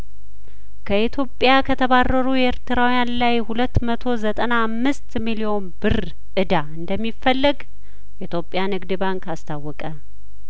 ከኢትዮጵያ ከተባረሩ ኤርትራውያን ላይ ሁለት መቶ ዘጠና አምስት ሚሊዮን ብር እዳ እንደሚፈለግ የኢትዮጵያ ንግድ ባንክ አስታወቀ